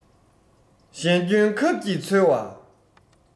གཞན སྐྱོན ཁབ ཀྱིས འཚོལ བ